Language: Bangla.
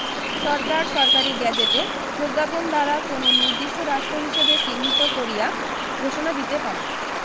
সরকার সরকারী গেজেটে প্রজ্ঞাপন দ্বারা কোন নির্দিষ্ট রাষ্ট্র হিসাবে চিহ্নিত করিয়া ঘোষণা দিতে পারিবে